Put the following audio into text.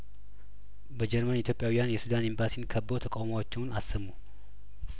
በጀርመን ኢትዮጵያውያን የሱዳን ኢምባሲን ከበው ተቃውሟቸውን አሰሙ